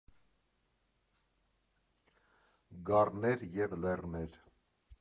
Գառներ և լեռներ։